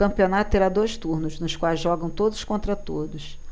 o campeonato terá dois turnos nos quais jogam todos contra todos